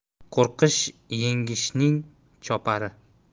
qo'rqish yengikshning chopari